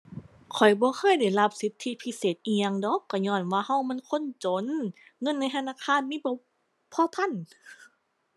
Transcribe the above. ข้อยบ่เคยได้รับสิทธิพิเศษอิหยังดอก ก็ญ้อนว่าก็มันคนจน เงินในธนาคารมีบ่พอพัน